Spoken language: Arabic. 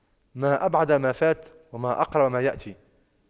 ما أبعد ما فات وما أقرب ما يأتي